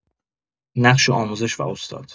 نقش آموزش و استاد